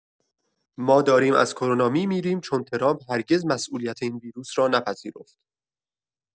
ما داریم از کرونا می‌میریم، چون ترامپ هرگز مسئولیت این ویروس را نپذیرفت.